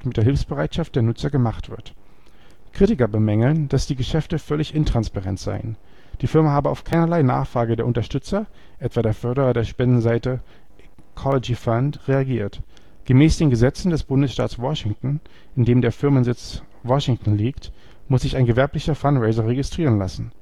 Hilfsbereitschaft der Nutzer gemacht wird. Kritiker bemängeln, dass die Geschäfte völlig intransparent seien. Die Firma habe auf keinerlei Nachfrage der Unterstützer (etwa der Förderer der Spendenseite Ecology Fund) reagiert. Gemäß den Gesetzen des Bundesstaats Washington (RCW 19.09), in dem der Firmensitz Washington liegt, muss sich ein gewerblicher fundraiser registrieren lassen